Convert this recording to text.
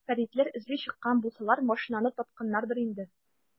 Фәритләр эзли чыккан булсалар, машинаны тапканнардыр инде.